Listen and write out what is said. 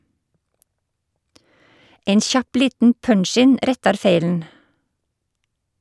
Ein kjapp liten punch-in rettar feilen.